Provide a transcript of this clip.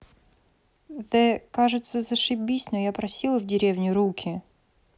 the кажется зашибись но я просил в деревне руки